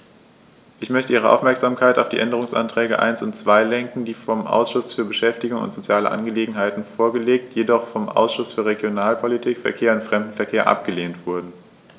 Ich möchte Ihre Aufmerksamkeit auf die Änderungsanträge 1 und 2 lenken, die vom Ausschuss für Beschäftigung und soziale Angelegenheiten vorgelegt, jedoch vom Ausschuss für Regionalpolitik, Verkehr und Fremdenverkehr abgelehnt wurden.